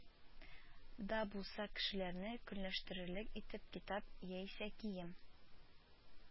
Да булса кешеләрне көнләштерерлек итеп китап яисә кием